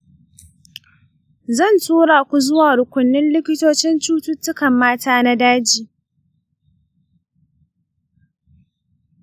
zan tura ku zuwa rukunin likitocin cututtukan mata na daji.